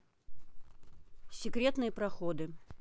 секретные проходы